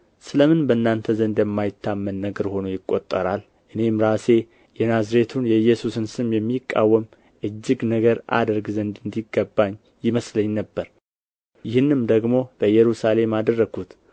ስለ ምን በእናንተ ዘንድ የማይታመን ነገር ሆኖ ይቈጠራል እኔም ራሴ የናዝሬቱን የኢየሱስን ስም የሚቃወም እጅግ ነገር አደርግ ዘንድ እንዲገባኝ ይመስለኝ ነበር ይህንም ደግሞ በኢየሩሳሌም አደረግሁት